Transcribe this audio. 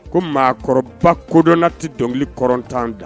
Ko mɔgɔba kodɔnna tɛ dɔnkili ktan da